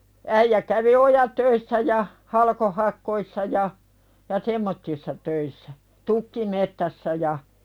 äijä kävi ojatöissä ja - halkohakkuissa ja ja semmoisissa töissä tukkimetsässä ja